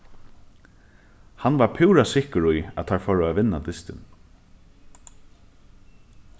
hann var púra sikkur í at teir fóru at vinna dystin